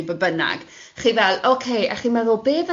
neu be bynnag, chi fel ocê, a chi'n meddwl be